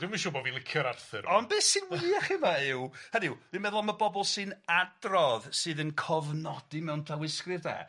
Dwi'm yn siŵr bo' fi'n licio'r Arthur yma. Ond beth sy'n wych yma yw, hynny yw, dwi'n meddwl am y bobol sy'n adrodd sydd yn cofnodi mewn llawysgrif 'de.